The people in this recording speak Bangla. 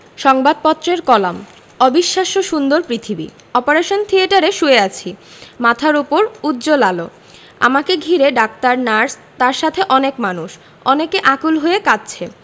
সংবাদপত্রের কলাম অবিশ্বাস্য সুন্দর পৃথিবী অপারেশন থিয়েটারে শুয়ে আছি মাথার ওপর উজ্জ্বল আলো আমাকে ঘিরে ডাক্তার নার্স তার সাথে অনেক মানুষ অনেকে আকুল হয়ে কাঁদছে